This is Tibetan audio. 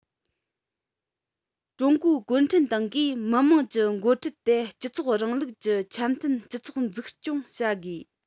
ཀྲུང གོའི གུང ཁྲན ཏང གིས མི དམངས ཀྱི འགོ ཁྲིད དེ སྤྱི ཚོགས རིང ལུགས ཀྱི འཆམ མཐུན སྤྱི ཚོགས འཛུགས སྐྱོང བྱ དགོས